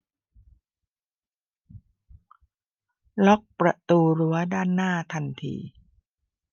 ล็อกประตู้รั้วด้านหน้าทันที